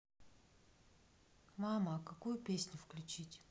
мама а какую песню включить